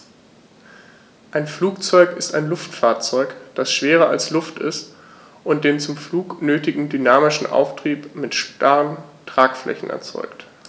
Ein Flugzeug ist ein Luftfahrzeug, das schwerer als Luft ist und den zum Flug nötigen dynamischen Auftrieb mit starren Tragflächen erzeugt.